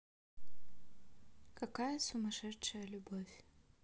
какая сумасшедшая любовь